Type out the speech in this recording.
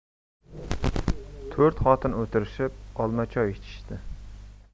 to'rt xotin o'tirishib olma choy ichishdi